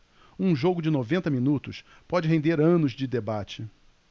um jogo de noventa minutos pode render anos de debate